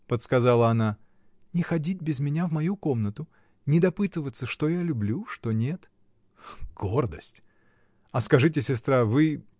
— подсказала она, — не ходить без меня в мою комнату, не допытываться, что я люблю, что нет. — Гордость! А скажите, сестра, вы.